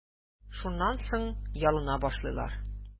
Шуннан соң ялына башлыйлар.